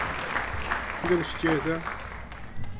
hví kann eg ikki gera hatta